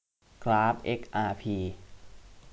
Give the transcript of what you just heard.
กราฟเอ็กอาร์พี